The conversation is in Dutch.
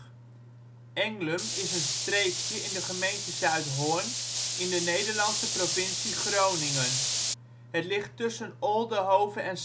streekje in de gemeente Zuidhorn in de Nederlandse provincie Groningen. Het ligt tussen Oldehove en